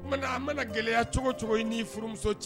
Tuma a mana gɛlɛya cogo cogo i ni furumuso cɛ